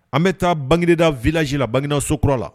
An bɛ taa bangegda vijila bangna so kura la